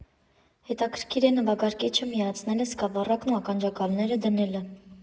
Հետաքրիր է նվագարկիչը միացնելը, սկավառակն ու ականջակալները դնելը։